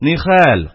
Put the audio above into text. Нихәл?